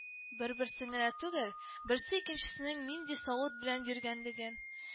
Бер-берсен генә түгел, берсе икенчесенең нинди савыт белән йөргәнлеген